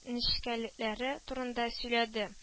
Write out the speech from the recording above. Нечкәлекләре турында сөйләде